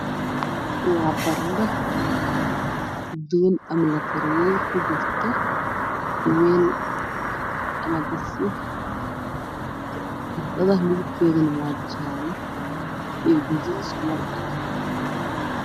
Waa baradho duban ama la kariyay ku jirto weel ama digsi baradhada midabkeeduna waa jaalle iyo gaduud is ku lab ah